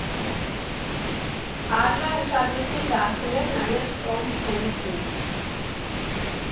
Արժե ուշադրություն դարձնել նաև Թոմ Հենքսին.